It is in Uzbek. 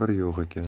bir yo'q ekan